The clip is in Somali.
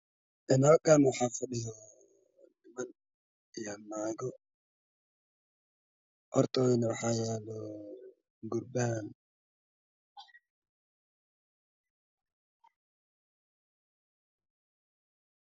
Halkaan waxaa fadhiya niman iyo naago waxay ku fadhiyaan kuraas bilowga ah nimanka waxay xiran yihiin dhar calan ah oo buluug ah iyo koofiya buluu nagaa waxay xiran yihiin dhar guduudan